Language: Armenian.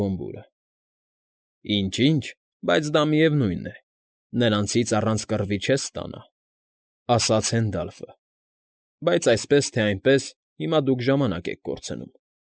Բոմբուրը։ ֊ Ինչ֊ինչ, բայց դա, միևնույն է, նրանցից առանց կռվի չես ստանա, ֊ ասաց Հենդալֆը։֊ Բայց այսպես թե այնպես հիմա դուք ժամանակ եք կորցնում։